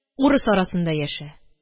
Урыс арасында яшә!